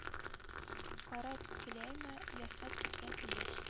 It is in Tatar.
Карап келәймә ясап киткән килеш